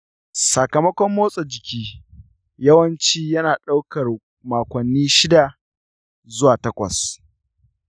sakamakon motsa jiki yawanci yana ɗaukar makonni shida zuwa takwas.